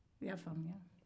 i y'a faamuya